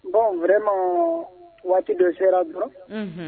Bon vraiment waati dɔ sera dɔrɔn Unhun